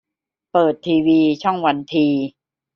เปิดทีวีช่องวันที